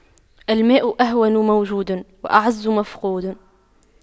الماء أهون موجود وأعز مفقود